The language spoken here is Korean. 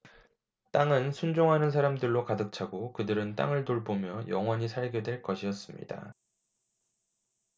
땅은 순종하는 사람들로 가득 차고 그들은 땅을 돌보며 영원히 살게 될 것이었습니다